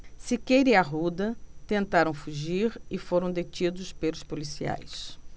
siqueira e arruda tentaram fugir e foram detidos pelos policiais